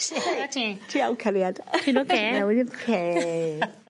Sut wyt ti? Ti iawn cariad? Ti'n oce?